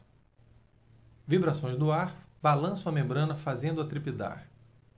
vibrações do ar balançam a membrana fazendo-a trepidar